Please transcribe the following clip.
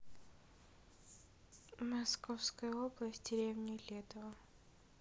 московская область деревня ледово